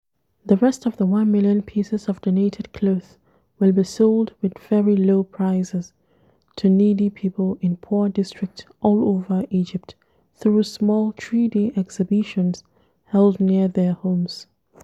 The rest of the one million pieces of donated clothes will be sold with very low prices to needy people in poor districts all over Egypt through small 3-day exhibitions held near their homes.